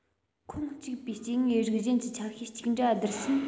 ཁོངས གཅིག པའི སྐྱེ དངོས རིགས གཞན གྱི ཆ ཤས གཅིག འདྲ བསྡུར ཕྱིན